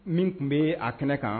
Min tun bɛ a kɛnɛ kan,